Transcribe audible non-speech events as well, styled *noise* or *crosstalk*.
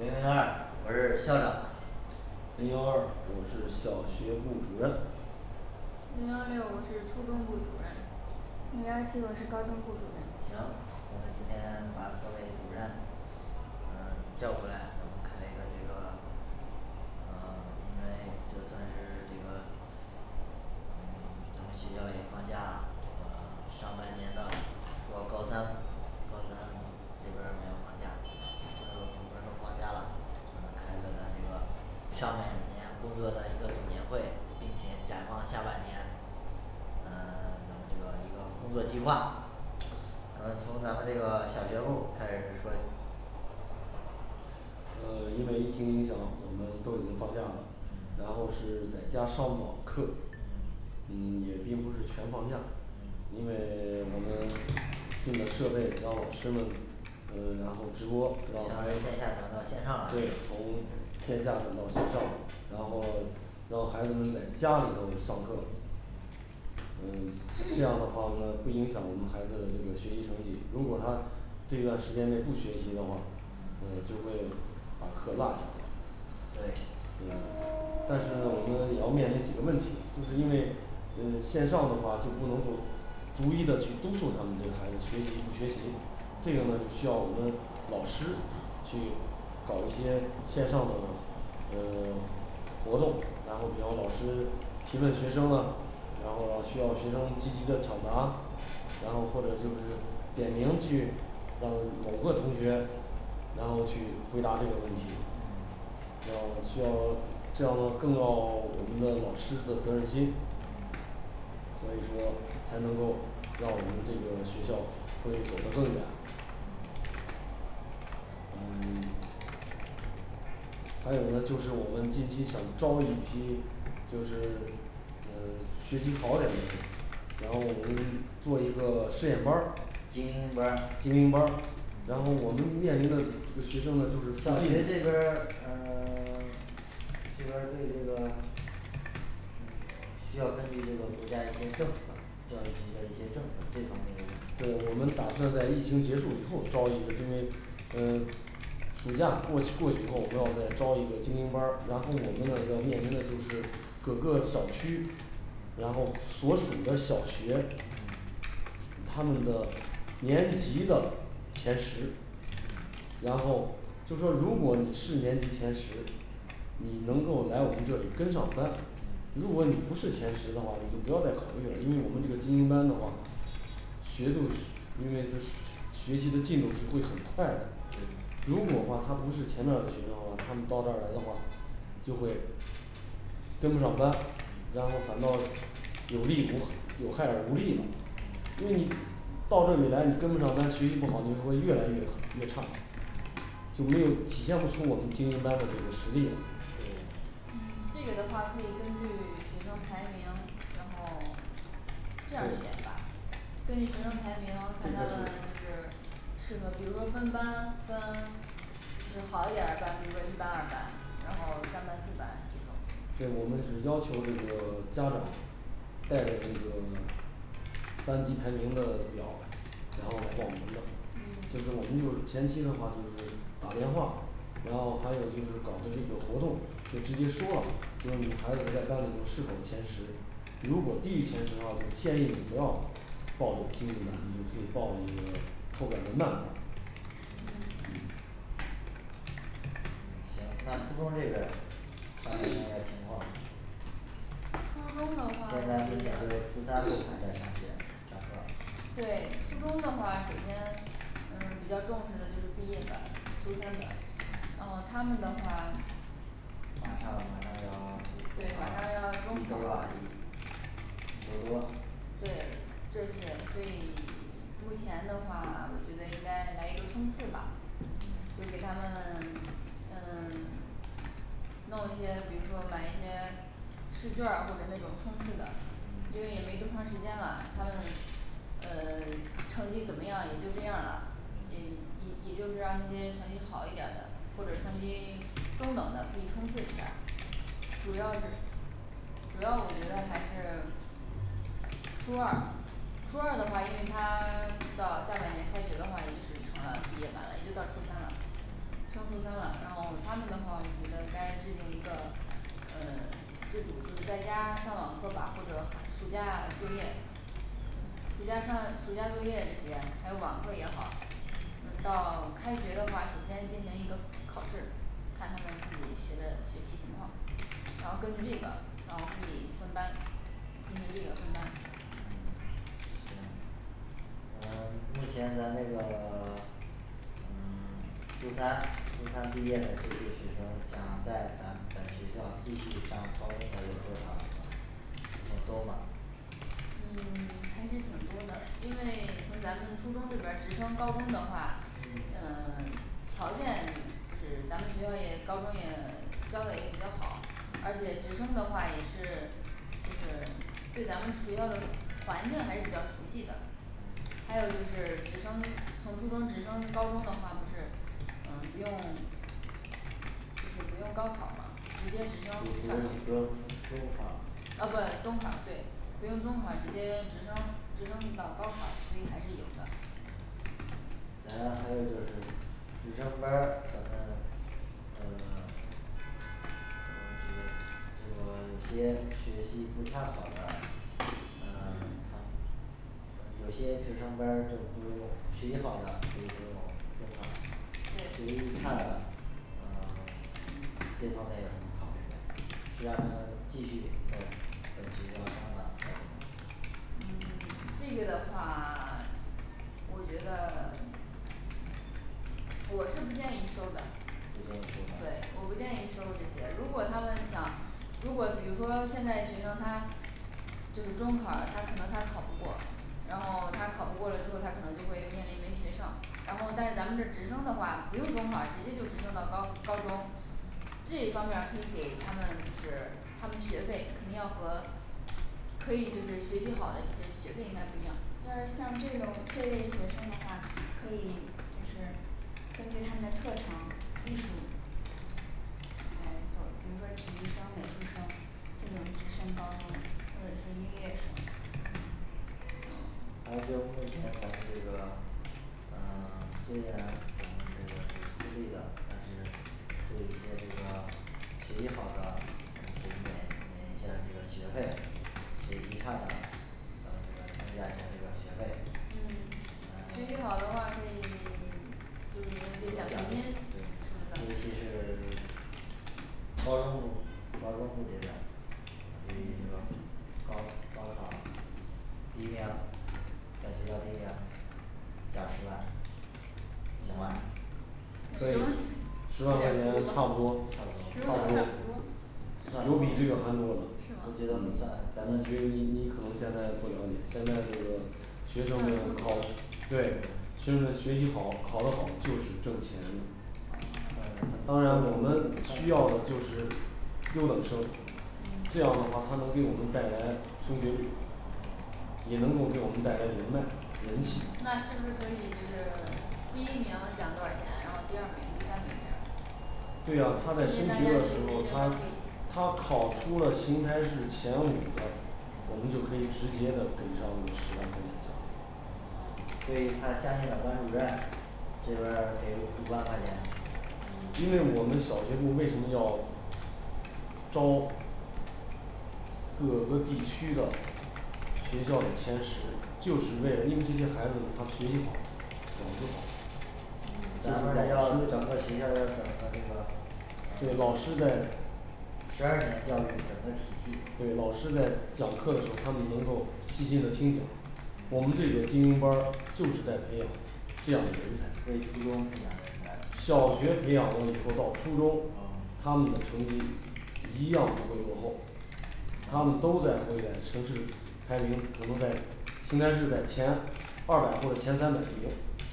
零零二我是校长零幺二我是小学部主任零幺六我是初中部主任零幺七我是高中部主任行，我们今天把各位主任嗯 *silence* 叫过来，我们开一个这个呃 *silence* 应该 *silence* 就算是那个嗯 *silence* 咱们学校也放假啦呃 *silence* 上半年的除了高三高三。这边儿没有放假，明天都放假啦那么开一个咱这个上半年工作的一个总结会，并且展望下半年呃 *silence* 咱们这个一个工作计划咱们从咱们这个小学部儿开始说呃 *silence* 因为疫情影响，我们都已经放假了，对然后是在家上网课嗯嗯 *silence* 也并不是全放假因为 *silence* 我们进了设备，让老师们呃然后直播相对当于线下转到线上从来线下转到线上。然后让孩子们在家里头上课嗯 *silence* 这样的话呢不影响我们孩子的这个学习成绩，如果他这段时间内不学习的话，就会把课落下对嗯但是呢我们也要面临几个问题，就是因为呃线上的话就不能够逐一的去督促他们这个孩子学习不学习，这个呢就需要我们老师去搞一些线上的呃 *silence* 活动，然后比方老师提问学生啦，然后需要学生积极的抢答然后或者就是点名去让某个同学然后去回答这个问题嗯然后需要 *silence* 这样的更要我们的老师的责任心所以说才能够让我们这个学校会走得更远嗯 *silence* 还有呢就是我们近期想招一批就是 *silence* 呃学习好点的然后我们做一个试验班儿，精精英班儿，英班儿然后我们面临的这个学生呢就是嗯像小学这边儿嗯 *silence* 这边儿对这个需要根据这个国家的一些政策，教育局的一些政策这方对面我们打算在疫情结束以后招一个，因为呃 *silence* 暑假过去过去以后我们要再招一个精英班儿，然后我们呢要面临的就是各个小区然后所属的小学，他们的年级的前十，然后就是说如果你是年级前十你能够来我们这里跟上班，如果你不是前十的话，我们就不要再考虑了，因为我们这个精英班的话学度是因为他学学习的进度是会很快的对，如果的话他不是前面儿的学生的话，他们到这儿来的话就会跟不上班，然后反倒有利无有害而无利了。 因为你到这里来你跟不上班学习不好你就会越来越很越差嗯就没有体现不出我们精英班的这个实力了。对这嗯个的话可以根据学生排名，然后 *silence* 这样选对拔。根据学生排名这看到了个就是是适合，比如说分班分就是好一点儿的班比如说一班二班，然后三班四班这种对，我们只要求这个家长带着这个 *silence* 班级排名的表儿，然后来报名的。就嗯说我们就是前期的话就是打电话然后还有就是搞的这个活动就直接说了，就是你孩子在班里头是否前十如果低于前十的话，就建议你不要报我们精英班，你就可以报一个后边儿的慢班嗯嗯行，那初中这边儿大概现在情况。初中的现在目前话就是初三的还在上学上课对，初中的话首先嗯比较重视的就是毕业班，初三班，然后他们的话马上马对马上上要要中中考考了啦比较多对这些嗯所以目前的话我觉得应该来一个冲刺吧就给他们 *silence* 嗯 *silence* 弄一些比如说买一些试卷儿或者那种冲刺的，因为也没多长时间了，他们呃 *silence* 成绩怎么样也就这样啦也也也就是让这些成绩好一点儿的，或者成绩中等的可以冲刺一下。主要是主要我觉得还是初二初二的话，因为他 *silence* 到下半年开学的话也就是成了毕业班了，也就到初三啦升初三了，然后他们的话我觉得该制定一个呃制度就是自己在家上网课吧或者暑假作业暑假上暑假作业这些还有网课也好，就是到开学的话首先进行一个考试看他们自己学的学习情况然后根据这个然后可以分班进行这个分班嗯行嗯 *silence* 目前咱这个 *silence* 嗯 *silence* 初三初三毕业的这些学生，想在咱们本学校继续上高中的有多少个，并且多吗嗯 *silence* 还是挺多的，因为从咱们初中这边儿直升高中的话呃 *silence* 条件就是咱们学校也高中也教的也比较好，而且直升的话也是就是对咱们学校的环境还是比较熟悉的还有就是直升初从初中直升高中的话，不是嗯不用就是不用高考儿嘛直接不不直升上去不啊用不不用初中考儿中考儿对不用中考儿，直接直升直升到高考儿，所以还是有的咱还有就是直升班儿咱们嗯 *silence* 这个有些学习不太好的呃 *silence* 咱有些直升班儿就不用学习好的可以不用中考学习对差的呃 *silence* 这方面有什么考虑没有是让他们继续在在学校上呢还是怎么嗯 *silence* 这个的话 *silence* 我觉得 *silence* 我是不建议收的。对，我不不建建议议收的收这些，如果他们想如果比如说现在学生他就是中考儿了，他可能他考不过然后他考不过了之后他可能就会面临没学上，然后但是咱们这儿直升的话不用中考儿，直接就是直升到高高中这一方面儿可以给他们就是，他们学费肯定要和可以就是学习好的这些学费应该不一样但是像这种这类学生的话可以就是根据他们的特长艺术来走比如说体育生美术生，这种直升高中或者说音乐生还有就是目前咱们这个嗯 *silence* 虽然咱们这个是私立的，但是对一些这个学习好的咱们可以免免一下儿这个学费学习差的然后这个增加一下儿嗯学这习好的个话可学以费呃 *silence* *silence* 就是发一些奖学金什对么尤其的是 *silence* 高中部儿高中部儿这边儿对于这个高高考儿第一名在学校第一名奖十万行吧可以十十万万块块有点多吧钱十差不多差不多差万块不不多多有比这个还多的呢是，嗯，我我觉觉得得不算吗咱们你你可能现在不了解，现在这个学生们考对学生们学习好，考得好就是挣钱嗯当然我们需要的就是优等生嗯这样的话他能给我们带来升学率也能够给我们带来人脉人气。那是不是可以就是第一名奖多少钱，然后第二名第三名这样对啊，就是大家就他在升学的时候，给他他可以他考出了邢台市前五了我们就可以直接的给上那个十万块钱奖励对于他相应的班主任这边儿给五万块钱嗯因为我们小学部儿为什么要招各个地区的学校的前十就是为了因为这些孩子他学习好脑子好嗯咱老师们要整个学校要整个这对个老师在呃 *silence* 十二年教育整个体系，对老师在讲课的时候，他们能够细心的听讲我们这个精英班儿就是在培养这样的人可以初中培养才人，才小学培养了以后到初中他噢们的成绩一样不会落后他们都在回来城市排名可能在邢台市的前二百或者前三百名